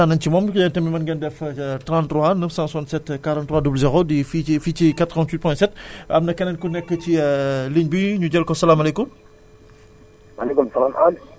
voilà donc kontaan nañ ci moom yéen tamit mun ngeen def 33 967 43 00 di fii ci fii ci 88 point 7 am na keneen ku nekk ci ligne bi ñu jël ko salaamaaleykum